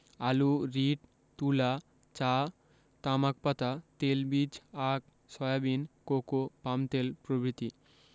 আলু রীট তুলা চা তামাক পাতা তেলবীজ আখ সয়াবিন কোকো পামতেল প্রভৃতি